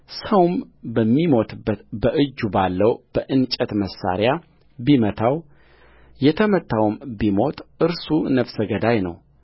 ሰውም በሚሞትበት በእጁ ባለው በእንጨት መሣርያ ቢመታው የተመታውም ቢሞት እርሱ ነፍሰ ገዳይ ነው